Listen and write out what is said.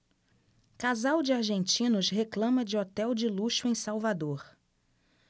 casal de argentinos reclama de hotel de luxo em salvador